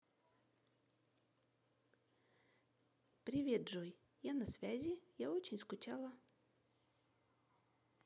привет джой я на связи я очень скучала